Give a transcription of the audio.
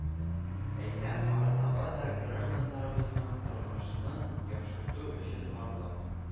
Әйтәм: арытаба да гражданнарыбызның тормышын яхшырту өчен барлык